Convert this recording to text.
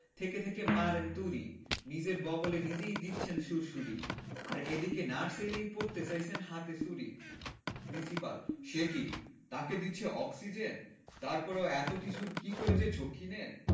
থেকে থেকে মারেন তুড়ি নিজের বগলে নিজেই দিচ্ছেন সুড়সুড়ি আর এদিকে নার্স এলেই পরতে চাইছেন হাতে চুড়ি প্রিন্সিপাল সে কি তাকে দিচ্ছে অক্সিজেন তারপরেও এত কিছুর কি করে যে ঝক্কি নেন